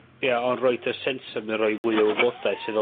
Ie, ond roid y sensor 'na roi fwy o wybodaeth sy fel